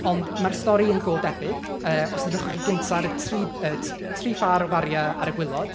Ond mae'r stori yn go debyg. Yy os edrychwch chi gynta ar y tri yy tri phâr o fariau ar y gwaelod,